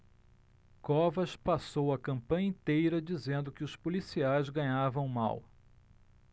covas passou a campanha inteira dizendo que os policiais ganhavam mal